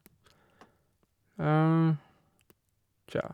Tja.